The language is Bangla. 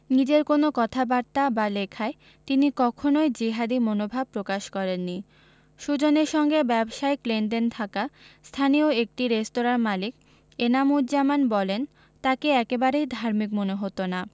নিজের কোনো কথাবার্তা বা লেখায় তিনি কখনোই জিহাদি মনোভাব প্রকাশ করেননি সুজনের সঙ্গে ব্যবসায়িক লেনদেন থাকা স্থানীয় একটি রেস্তোরাঁর মালিক এনাম উজজামান বলেন তাঁকে একেবারেই ধার্মিক মনে হতো না